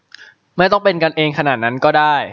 ไม่ต้องเป็นกันเองขนาดนั้นก็ได้